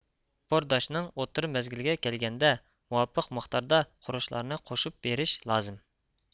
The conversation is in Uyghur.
بورداشنىڭ ئوتتۇرا مەزگىلىگە كەلگەندە مۇۋاپىق مىقداردا خۇرۇچلارنى قوشۇپ بېرىش لازىم